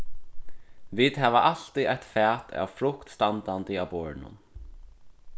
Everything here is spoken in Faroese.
vit hava altíð eitt fat av frukt standandi á borðinum